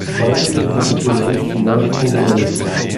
heute mit professionellen Spielern konkurrenzfähig